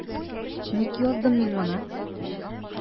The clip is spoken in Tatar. Ник яздым мин моны?